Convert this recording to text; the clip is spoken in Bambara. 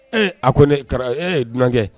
Ee a ko ne dunankɛ